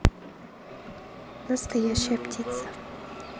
настоящая птица